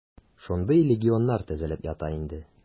Шундый легионнар төзелеп ята инде.